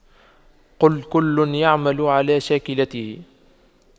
قُل كُلٌّ يَعمَلُ عَلَى شَاكِلَتِهِ